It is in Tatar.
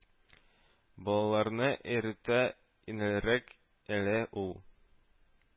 Балаларны өйрәтү иңелрәк әле ул